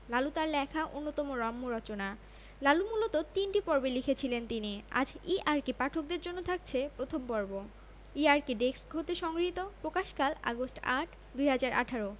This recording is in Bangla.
লালু তার লেখা অন্যতম রম্য রচনা লালু মূলত তিনটি পর্বে লিখেছিলেন তিনি আজ ই আরকির পাঠকদের জন্যে থাকছে প্রথম পর্ব ই আরকি ডেস্ক হতে সংগৃহীতপ্রকাশকালঃ আগস্ট ৮ ২০১৮